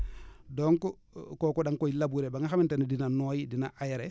donc kooku da nga koy labourer ba nga xamante ne dina noyyi dina aéré